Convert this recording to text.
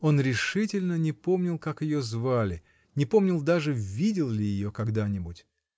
Он решительно не помнил, как ее звали, не помнил даже, видел ли ее когда-нибудь